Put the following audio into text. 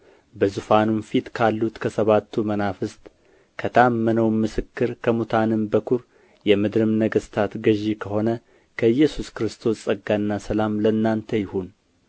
በዙፋኑም ፊት ካሉት ከሰባቱ መናፍስት ከታመነውም ምስክር ከሙታንም በኵር የምድርም ነገሥታት ገዥ ከሆነ ከኢየሱስ ክርስቶስ ጸጋና ሰላም ለእናንተ ይሁን